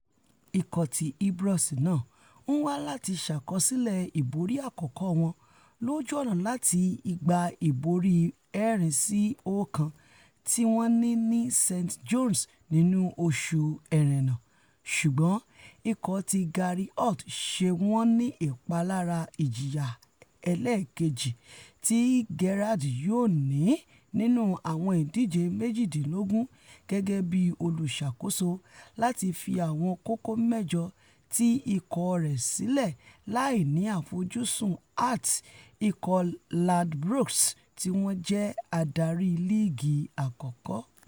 Ikọ̀ ti Ibrox náà ńwá láti ṣàkọsílẹ̀ ìborí àkọ́kọ́ wọn lójú ọ̀nà láti ìgbà ìborí 4-1 tíwọ́n ní ni St Johnstone nínú oṣù Ẹrẹ́ná, ṣùgbọ́n ikọ̀ ti Gary Holt ṣe wọ́nní ìpalára ìjìyà ẹlẹ́ẹ̀kejì tí Gerrard yóò ní nínú àwọn ìdíje méjìdínlógún gẹ́gẹ́bí olùṣàkóso láti fi àwọn kókó mẹ́jọ ti ikọ̀ rẹ̀ sílẹ̀ láìní àfojúsùn Hearts ikọ̀ Ladbrokes tíwọ́n jẹ́ adarí Líìgí Àkọ́kọ́.